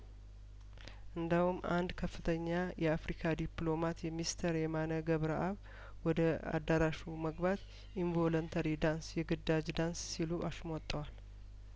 እንደ ውም አንድ ከፍተኛ የአፍሪካ ዲፕሎማት የሚስተር የማነ ገብረአብ ወደ አዳራሹ መግባት ኢን ቮለንተሪ ዳንስ የግዳጅ ዳንስ ሲሉ አሽሟጠዋል